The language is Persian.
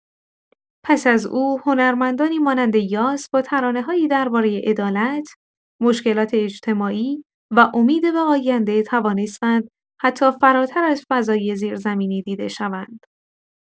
پس از او، هنرمندانی مانند یاس با ترانه‌هایی دربارۀ عدالت، مشکلات اجتماعی و امید به آینده، توانستند حتی فراتر از فضای زیرزمینی دیده شوند.